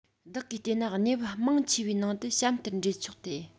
བདག གིས བལྟས ན གནས བབ མང ཆེ བའི ནང དུ གཤམ ལྟར འགྲེལ ཆོག སྟེ